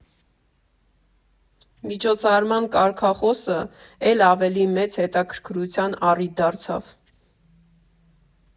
Միջոցառման կարգախոսը էլ ավելի մեծ հետաքրքրության առիթ դարձավ։